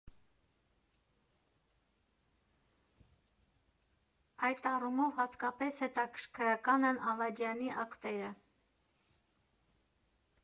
Այդ առումով հատկապես հետաքրքրական են Ալաջյանի «ակտերը»։